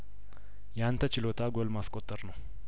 ያንተ ችሎታ ጐል ማስቆጠር ነው